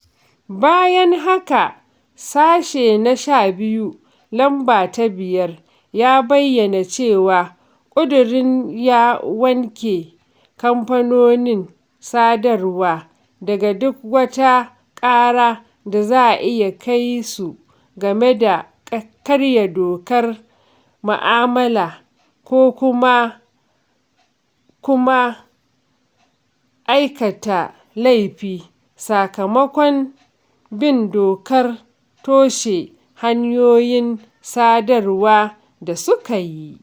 Bayan haka, sashe na 12, lamba ta 5 ya bayyana cewa ƙudurin ya wanke kamfanonin sadarwa daga duk wata ƙara da za a iya kai su game da "karya dokar mu'amala ko kuma kuma aikata laifi" sakamakon "bin dokar toshe hanyoyin sadarwa" da suka yi.